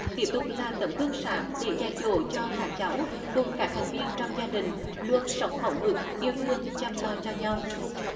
tiếp tục là tấm gương sáng để dạy dỗ cho các cháu cùng các thành viên trong gia đình luôn sống mẫu mực yêu thương chăm lo cho nhau